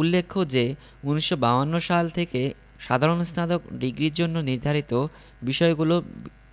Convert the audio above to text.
উল্লেখ্য যে ১৯৫২ সাল থেকে সাধারণ স্নাতক ডিগ্রির জন্য নির্ধারিত বিষয়গুলো